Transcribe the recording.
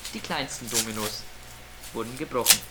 Die kleinsten Dominos - wurde gebrochen